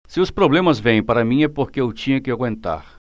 se os problemas vêm para mim é porque eu tinha que aguentar